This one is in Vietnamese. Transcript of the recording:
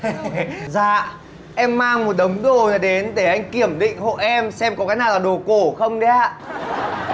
hê hê hề dạ em mang một đống đồ này đến để anh kiểm định hộ em xem có cái nào là đồ cổ không đấy ạ